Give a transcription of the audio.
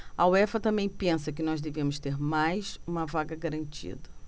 a uefa também pensa que nós devemos ter mais uma vaga garantida